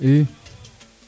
i